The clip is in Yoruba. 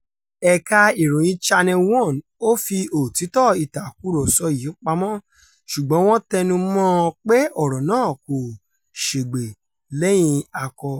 Ẹ̀ka ìròyìn Channel One ò fi òtítọ́ ìtàkùrọ̀sọ yìí pamọ́, ṣùgbọ́n wọ́n tẹnu mọ́ ọn pé ọ̀rọ̀ náà kò ṣègbè lẹ́yìn akọ.